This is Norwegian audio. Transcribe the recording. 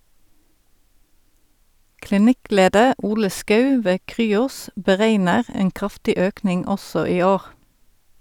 Klinikkleder Ole Schou ved Cryos beregner en kraftig økning også i år.